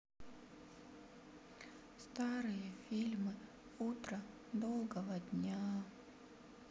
старые фильмы утро долгого дня